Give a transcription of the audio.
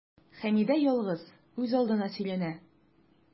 Хәмидә ялгыз, үзалдына сөйләнә.